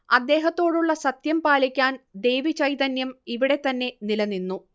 അദ്ദേഹത്തോടുള്ള സത്യം പാലിക്കാൻ ദേവിചൈതന്യം ഇവിടെത്തന്നെ നിലനിന്നു